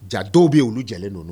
Ja dɔw bɛ yen u jɛ ninnu